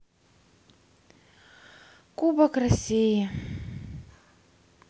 кубок россии